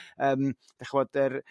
yrm d'ch'mod yr